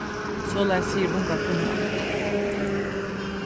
soleiðis sigur unga kvinnan